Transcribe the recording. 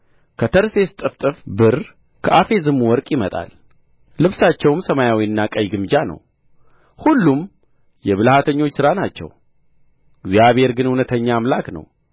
ከተርሴስ ጥፍጥፍ ብር ከአፌዝም ወርቅ ይመጣል ልብሳቸውም ሰማያዊና ቀይ ግምጃ ነው ሁሉም የብልሃተኞች ሥራ ናቸው እግዚአብሔር ግን እውነተኛ አምላክ ነው